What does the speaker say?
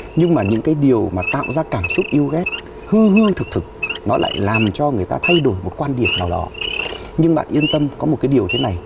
nhưng mà những cái điều mà tạo ra cảm xúc yêu ghét hư hư thực thực nó lại làm cho người ta thay đổi một quan điểm nào đó nhưng bạn yên tâm có một cái điều thế này